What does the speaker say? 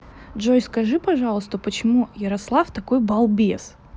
джой скажи пожалуйста почему ярослав такой балбес